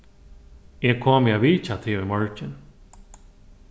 eg komi at vitja teg í morgin